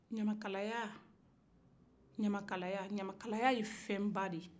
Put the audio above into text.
ɲamakalaya-ɲamakalaya-ɲamakalaya-ɲamakalaya ye fɛnba de ye